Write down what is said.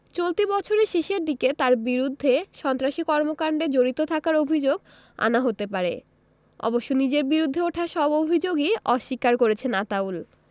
চলতি বছরের শেষের দিকে তাঁর বিরুদ্ধে সন্ত্রাসী কর্মকাণ্ডে জড়িত থাকার অভিযোগ আনা হতে পারে অবশ্য নিজের বিরুদ্ধে ওঠা সব অভিযোগই অস্বীকার করেছেন আতাউল